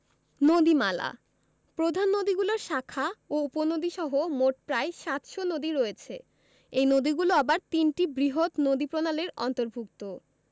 নদীমালাঃ প্রধান নদীগুলোর শাখা ও উপনদীসহ মোট প্রায় ৭০০ নদী রয়েছে এই নদীগুলো আবার তিনটি বৃহৎ নদীপ্রণালীর অন্তর্ভুক্ত